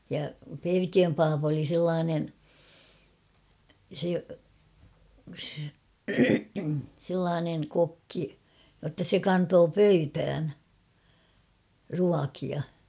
ja Perkiön pappa oli sellainen se sellainen kokki jotta se kantoi pöytään ruokia